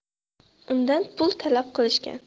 undan pul talab qilishgan